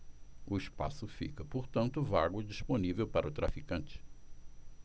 o espaço fica portanto vago e disponível para o traficante